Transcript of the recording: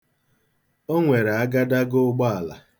O nwere agadaga ụgbọala.